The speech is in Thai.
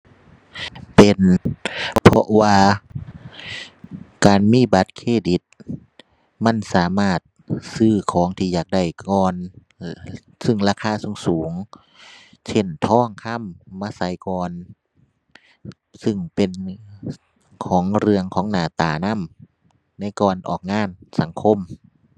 เป็น เพราะว่าการมีบัตรเครดิตมันสามารถซื้อของที่อยากได้ก่อน เออ ซึ่งราคาสูงสูง เช่น ทองคำมาใส่ก่อน ซึ่งเป็นของเรื่องของหน้าตานำ ในก่อนออกงานสังคม